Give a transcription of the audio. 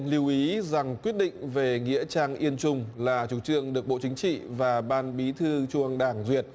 lưu ý rằng quyết định về nghĩa trang yên trung là chủ trương được bộ chính trị và ban bí thư trung ương đảng việt